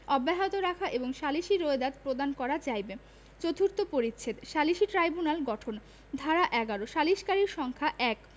অব্যাহত রাখা এবং সালিসী রোয়েদাদ প্রদান করা যাইবে চতুর্থ পরিচ্ছেদ সালিসী ট্রাইব্যুনাল গঠন ধারা ১১ সালিসকারীর সংখ্যাঃ ১